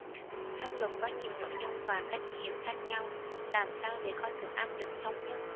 pháp luật có nhiều nội dung và cách hiểu khác nhau làm sao để có sự áp dụng thống nhất